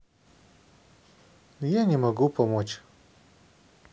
я не могу помочь